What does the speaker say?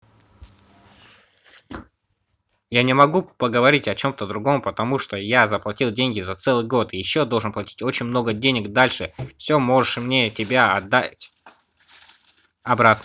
я не могу поговорить о чем то другом потому что я заплатил деньги за целый год и еще должен платить очень много денег дальше все можешь мне тебя отдать обратно